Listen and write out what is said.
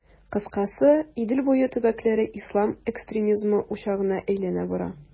Кыскасы, Идел буе төбәкләре ислам экстремизмы учагына әйләнә бара.